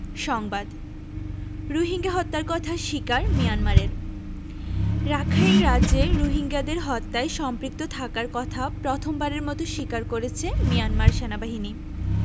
সংবাদ রোহিঙ্গা হত্যার কথা স্বীকার মিয়ানমারের রাখাইন রাজ্যে রোহিঙ্গাদের হত্যায় সম্পৃক্ত থাকার কথা প্রথমবারের মতো স্বীকার করেছে মিয়ানমার সেনাবাহিনী